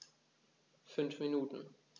5 Minuten